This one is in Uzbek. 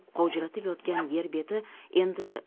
qovjiratib yotgan yer beti endi